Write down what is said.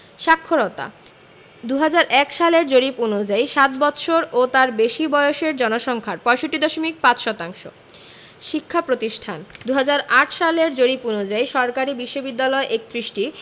সাক্ষরতাঃ ২০০১ সালের জরিপ অনুযায়ী সাত বৎসর ও তার বেশি বয়সের জনসংখ্যার ৬৫.৫ শতাংশ শিক্ষাপ্রতিষ্ঠানঃ ২০০৮ সালের জরিপ অনুযায়ী সরকারি বিশ্ববিদ্যালয় ৩১টি